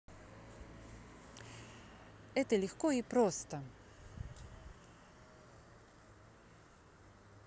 это легко и просто